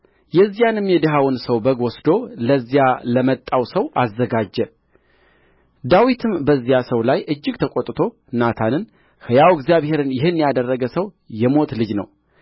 የዚያንም የድሀውን ሰው በግ ወስዶ ለዚያ ለመጣው ሰው አዘጋጀ ዳዊትም በዚያ ሰው ላይ እጅግ ተቈጥቶ ናታንን ሕያው እግዚአብሔርን ይህን ያደረገ ሰው የሞት ልጅ ነው